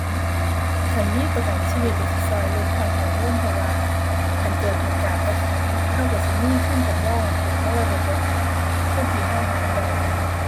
คันมีประกันชีวิตก็สิก็ลดความกังวล เพราะว่าคันเกิดเหตุการณ์บ่คาดคิด ก็ก็มีทุนสำรองเป็นมรดกไว้ให้คนที่ก็ก็ได้